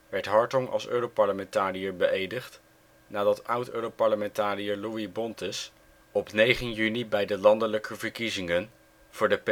werd Hartong als Europarlementariër beëdigd, nadat oud-Europarlementariër Louis Bontes op 9 juni bij de landelijke verkiezingen voor de